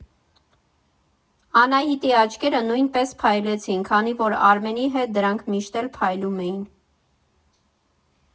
Անահիտի աչքերը նույնպես փայլեցին, քանի որ Արմենի հետ դրանք միշտ էլ փայլում էին։